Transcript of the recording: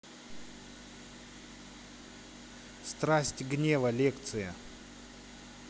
страсть гнева лекция